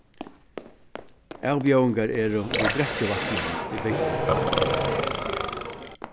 avbjóðingar eru við drekkivatninum í bygdini